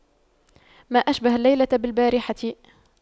ما أشبه الليلة بالبارحة